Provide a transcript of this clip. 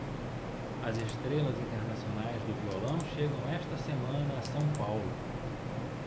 as estrelas internacionais do violão chegam esta semana a são paulo